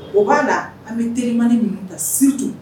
O b'a la an bɛ telimani minnu ta surtout